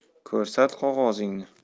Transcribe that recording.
ko'rsat qog'ozingni